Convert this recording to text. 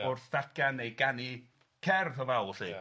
wrth ddatgan neu ganu cerdd o fawl lly